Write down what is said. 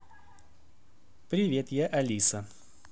привет я алиса